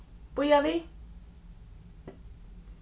bíða við